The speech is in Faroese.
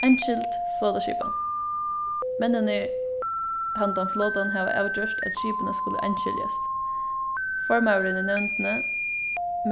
einskild flotaskipan menninir handan flotan hava avgjørt at skipini skulu einskiljast formaðurin í nevndini